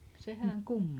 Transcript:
sehän kumma